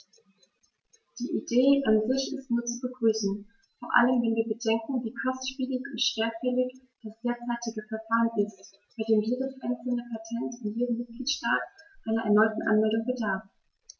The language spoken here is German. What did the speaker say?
Die Idee an sich ist nur zu begrüßen, vor allem wenn wir bedenken, wie kostspielig und schwerfällig das derzeitige Verfahren ist, bei dem jedes einzelne Patent in jedem Mitgliedstaat einer erneuten Anmeldung bedarf.